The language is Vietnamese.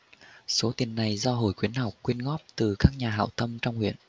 số tiền này do hội khuyến học quyên góp từ các nhà hảo tâm trong huyện